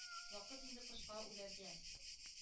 Вакыт инде кышка үләргә,